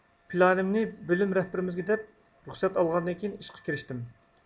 پىلانىمنى بۆلۈم رەھبىرىمىزگە دەپ رۇخسەت ئالغاندىن كېيىن ئىشقا كىرىشتىم